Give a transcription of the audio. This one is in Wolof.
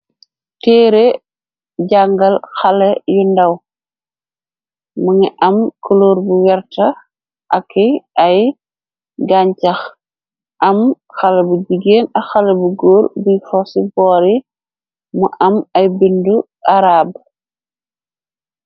Teere jàngal xala yu ndaw mëngi am coloor bu werta aki ay gancax am xale bu jigéen ak xale bu góor biy xosi boori mu am ay binda araab.